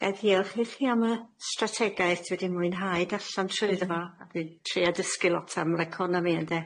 I diolch i chi am y strategaeth dwi wedi mwynhau darllan trwyddo fo a dwi'n trio dysgu lot am yr economi ynde?